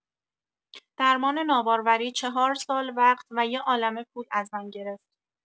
درمان ناباروری چهار سال وقت و یه‌عالمه پول از من گرفت.